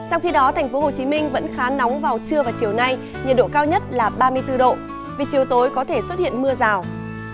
trong khi đó thành phố hồ chí minh vẫn khá nóng vào trưa và chiều nay nhiệt độ cao nhất là ba mươi tư độ vì chiều tối có thể xuất hiện mưa rào